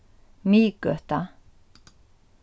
miðgøta